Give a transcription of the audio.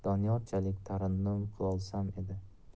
tarannum qilolsam edi